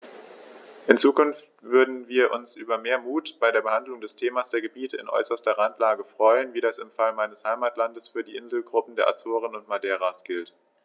In Zukunft würden wir uns über mehr Mut bei der Behandlung des Themas der Gebiete in äußerster Randlage freuen, wie das im Fall meines Heimatlandes für die Inselgruppen der Azoren und Madeiras gilt.